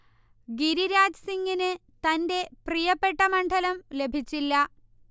ഗിരിരാജ് സിംഗിന് തൻറെ പ്രിയപ്പെട്ട മണ്ഡലം ലഭിച്ചില്ല